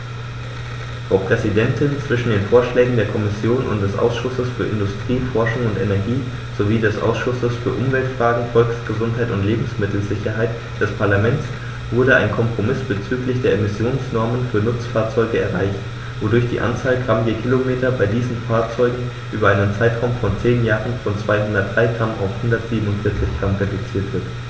Frau Präsidentin, zwischen den Vorschlägen der Kommission und des Ausschusses für Industrie, Forschung und Energie sowie des Ausschusses für Umweltfragen, Volksgesundheit und Lebensmittelsicherheit des Parlaments wurde ein Kompromiss bezüglich der Emissionsnormen für Nutzfahrzeuge erreicht, wodurch die Anzahl Gramm je Kilometer bei diesen Fahrzeugen über einen Zeitraum von zehn Jahren von 203 g auf 147 g reduziert wird.